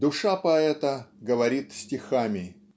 Душа поэта говорит стихами.